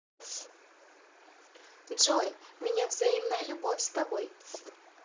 джой меня взаимная любовь с тобой